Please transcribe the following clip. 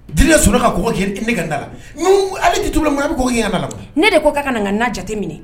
Di so ka ko kelen ne ka da la jitula kɔnɔ a bɛ ko la ne de ko ka na ka n na jate minɛ